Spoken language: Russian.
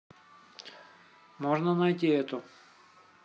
можно найти эту